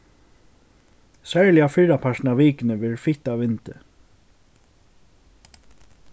serliga fyrrapartin av vikuni verður fitt av vindi